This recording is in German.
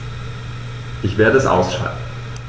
Ich werde es ausschalten